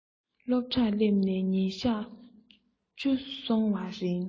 སློབ གྲྭར སླེབས ནས ཉིན གཞག བཅུ སོང བའི རིང